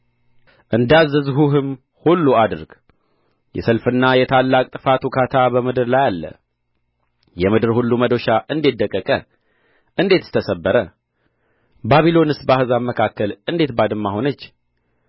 እንዳዘዝሁህም ሁሉ አድርግ የሰልፍና የታላቅ ጥፋት ውካታ በምድር ላይ አለ የምድር ሁሉ መዶሻ እንዴት ደቀቀ እንዴትስ ተሰበረ ባቢሎንስ በአሕዛብ መካከል እንዴት ባድማ ሆነች